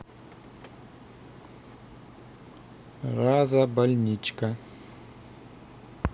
раза больничка